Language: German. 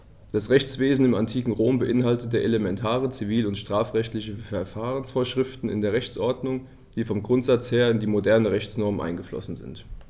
Das Rechtswesen im antiken Rom beinhaltete elementare zivil- und strafrechtliche Verfahrensvorschriften in der Rechtsordnung, die vom Grundsatz her in die modernen Rechtsnormen eingeflossen sind.